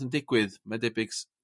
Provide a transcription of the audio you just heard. yn digwydd mae'n debyg s-